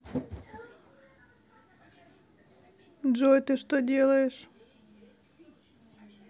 джой ты что делаешь